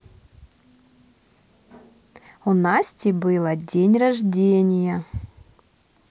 у насти было день рождения